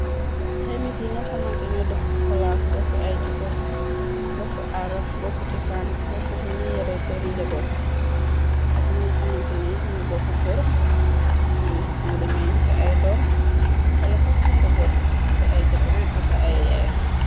Ay nit yi nga xamante ñoo dëkk ci palaas bokku ay juko bokku ara bokku chosaan bokk muñu yare seeni njaboot ak yi nga xamanté ni ñuo bokku kërr ñu demeeni ca ay doom wala sax sa njaboot ca ay jabatbu ci ca ay yaey.